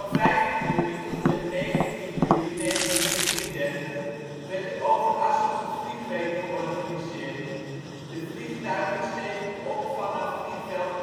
Van 15 juli tot en met 19 juli 1933 werd de Overasseltse Vliegweek georganiseerd. De vliegtuigen stegen op vanaf Vliegveld